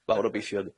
Mawr obeithio hynny.